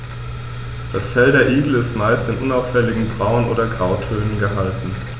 Das Fell der Igel ist meist in unauffälligen Braun- oder Grautönen gehalten.